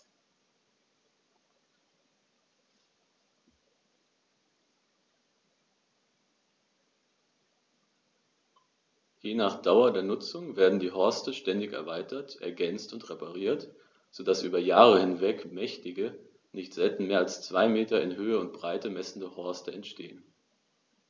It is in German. Je nach Dauer der Nutzung werden die Horste ständig erweitert, ergänzt und repariert, so dass über Jahre hinweg mächtige, nicht selten mehr als zwei Meter in Höhe und Breite messende Horste entstehen.